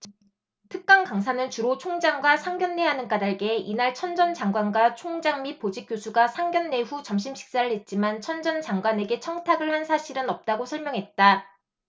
특강 강사는 주로 총장과 상견례 하는 까닭에 이날 천 전 장관과 총장 및 보직교수가 상견례 후 점심식사를 했지만 천 전 장관에게 청탁을 한 사실은 없다고 설명했다